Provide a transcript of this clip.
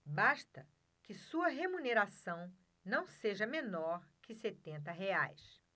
basta que sua remuneração não seja menor que setenta reais